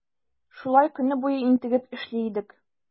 Шулай көне буе интегеп эшли идек.